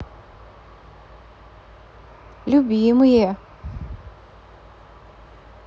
любимые